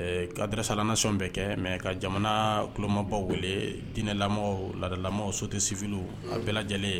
Kadrasalaanasi bɛɛ kɛ mɛ ka jamana kulomabaw wele dinɛ lamɔ lala so tɛ sifi a bɛɛ lajɛlen ye